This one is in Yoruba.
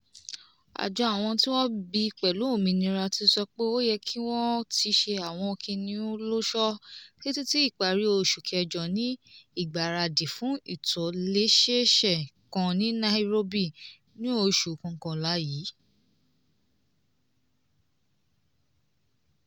Àjọ Àwọn tí wọ́n bí pẹ̀lú òmìnira ti sọ pé ó yẹ kí wọ́n ó ti ṣe àwọn kìnnìún lọ́ṣọ̀ọ́ títí ìparí oṣù Kẹjọ ní ìgbáradì fún ìtòlẹ́sẹẹsẹ kan ní Nairobi ní oṣù Kọkànlá yìí.